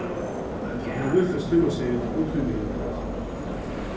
eg havi viðfest tímaseðil og tímayvirlit